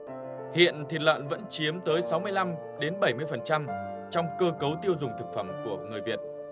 hiện thịt lợn vẫn chiếm tới sáu mươi lăm đến bảy mươi phần trăm trong cơ cấu tiêu dùng thực phẩm của người việt